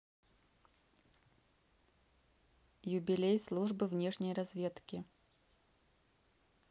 юбилей службы внешней разведки